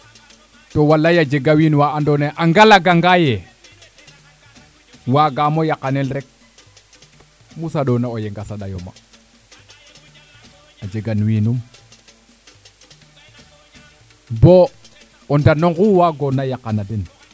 to walay a jega wiin wa ando naye a ngalaga ngaye wagamo yaqanel rek mu saɗona o yeng a saɗayo ma a jega wiinum bo o ndano ngu waago na yaqana den